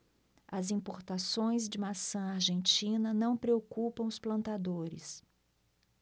as importações de maçã argentina não preocupam os plantadores